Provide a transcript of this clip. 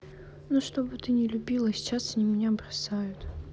ну чтобы ты не любила а сейчас они меня бросают